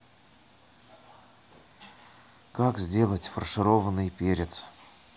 как сделать фаршированный перец